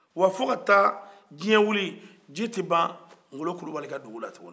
wa fo ka taa diɲɛ wuli ji tɛ ban ngolo kulibali ka dugu la tuguni